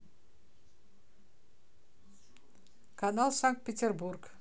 канал санкт петербург